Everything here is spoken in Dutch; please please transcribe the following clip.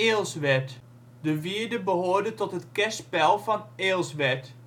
Eelswerd. De wierde behoorde tot het kerspel van Eelswerd